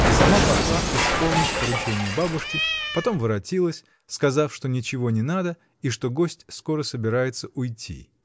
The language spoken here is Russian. И сама пошла исполнить поручение бабушки, потом воротилась, сказав, что ничего не надо и что гость скоро собирается уйти.